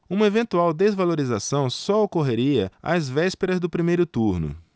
uma eventual desvalorização só ocorreria às vésperas do primeiro turno